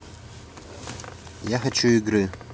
я хочу игры